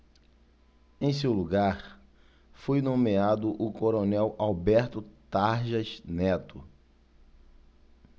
em seu lugar foi nomeado o coronel alberto tarjas neto